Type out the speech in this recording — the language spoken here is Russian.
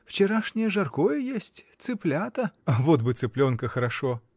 Вчерашнее жаркое есть, цыплята. — Вот бы цыпленка хорошо.